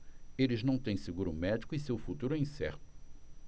eles não têm seguro médico e seu futuro é incerto